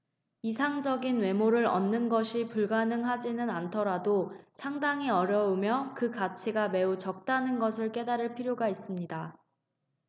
이상적인 외모를 얻는 것이 불가능하지는 않더라도 상당히 어려우며 그 가치가 매우 적다는 것을 깨달을 필요가 있습니다